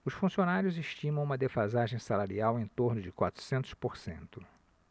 os funcionários estimam uma defasagem salarial em torno de quatrocentos por cento